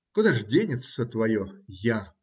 Куда ж денется твое "я"?